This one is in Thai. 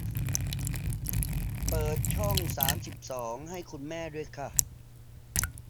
เปิดช่องสามสิบสองให้คุณแม่ด้วยค่ะ